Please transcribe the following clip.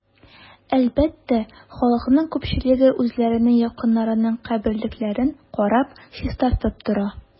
Әлбәттә, халыкның күпчелеге үзләренең якыннарының каберлекләрен карап, чистартып тора.